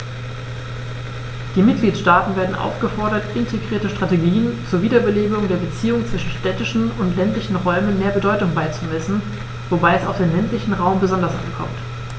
Die Mitgliedstaaten werden aufgefordert, integrierten Strategien zur Wiederbelebung der Beziehungen zwischen städtischen und ländlichen Räumen mehr Bedeutung beizumessen, wobei es auf den ländlichen Raum besonders ankommt.